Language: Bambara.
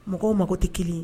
Mɔgɔw mago tɛ kelen